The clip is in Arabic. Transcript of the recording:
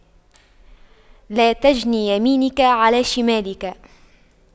لا تجن يمينك على شمالك